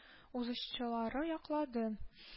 Узышчылары яклады